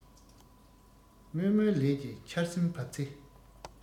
སྔོན སྨོན ལས ཀྱི ཆར ཟིམ བབས ཚེ